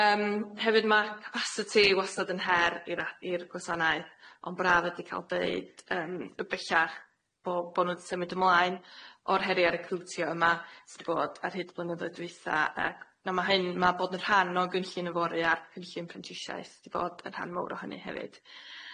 Yym hefyd ma' capasiti wastad yn her i'r a- i'r gwasanaeth ond braf ydi ca'l deud yym y bellach bo' bo' nw'n symud ymlaen o'r heriau recrwtio yma sydd di bod ar hyd blynyddoedd dwitha ag na ma' hyn ma' bod yn rhan o gynllun yfory a'r cynllun prentisiaeth sydd bod yn rhan mowr o hynny hefyd.